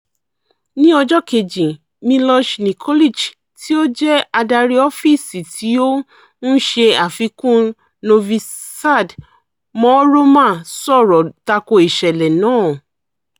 Ní ọjọ́ kejì, Miloš Nikolić tí ó jẹ́ adarí ọ́fíìsì tí ó ń ṣe àfikún Novi Sad mọ́ Roma sọ̀rọ̀ tako ìṣẹ̀lẹ̀ náà.